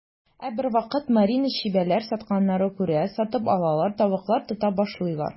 Ә бервакыт Марина чебиләр сатканны күрә, сатып алалар, тавыклар тота башлыйлар.